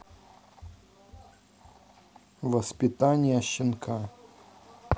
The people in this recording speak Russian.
воспитание щенка